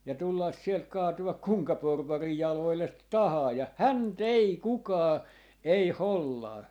ja tulla sieltä kaatua kenenkä porvarin jaloille tahansa ja häntä ei kukaan ei hollaa